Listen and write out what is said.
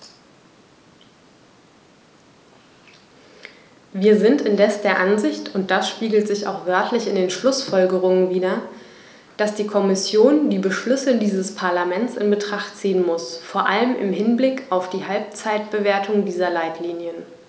Wir sind indes der Ansicht und das spiegelt sich auch wörtlich in den Schlussfolgerungen wider, dass die Kommission die Beschlüsse dieses Parlaments in Betracht ziehen muss, vor allem im Hinblick auf die Halbzeitbewertung dieser Leitlinien.